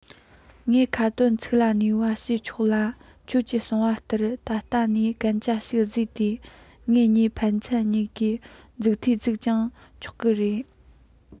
ངས ཁ དན ཚིག ལ གནས པ ཞུས ཆོག ལ ཁྱེད ཀྱིས གསུང པ ལྟར ད ལྟ ནས གན རྒྱ ཞིག བཟོས ཏེ ངེད གཉིས ཕན ཚུན གཉིས ཀའི མཛུབ ཐེལ བཙུགས ཀྱང ཆོག གི རེད